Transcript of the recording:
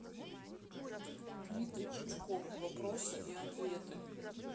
дмитрий пучков вопросы и ответы